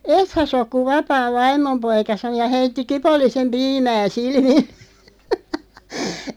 ethän sinä ole kun vapaan vaimon poika sanoi ja heitti kipollisen piimää silmille